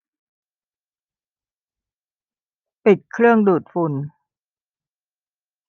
ปิดเครื่องดูดฝุ่น